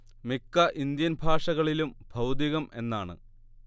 മിക്ക ഇന്ത്യൻ ഭാഷകളിലും ഭൗതികം എന്നാണ്